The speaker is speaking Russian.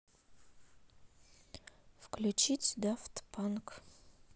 включить дафт панк